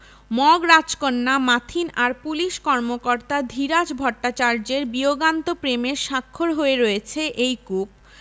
mug রাজকন্যা মাথিন আর police কর্মকর্তা ধীরাজ ভট্টাচার্য্যের বিয়োগান্ত প্রেমের স্বাক্ষর হয়ে রয়েছে এই কূপ